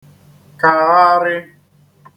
kàgharị̄